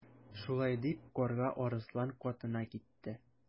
Шулай дип Карга Арыслан катына китте.